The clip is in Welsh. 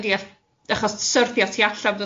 sa' i'n deall achos syrthio tu allan